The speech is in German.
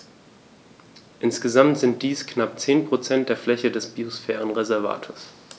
Insgesamt sind dies knapp 10 % der Fläche des Biosphärenreservates.